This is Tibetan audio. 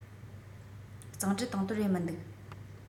གཙང སྦྲར དང དོད རེད མི འདུག